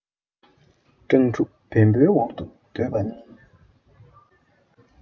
སྤྲང ཕྲུག བེན པོའི འོག ཏུ སྡོད པ གཉིས